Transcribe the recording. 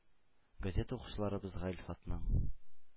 Газета укучыларыбызга Илфатның